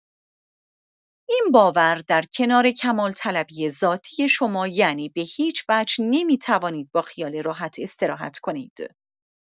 این باور در کنار کمال‌طلبی ذاتی شما، یعنی به‌هیچ‌وجه نمی‌توانید با خیال راحت استراحت کنید.